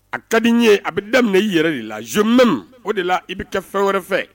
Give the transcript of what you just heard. A ka di ye a bɛ daminɛ i yɛrɛ de la zomeme o de la i bɛ kɛ fɛn wɛrɛ fɛ